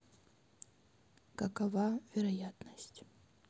какова вероятность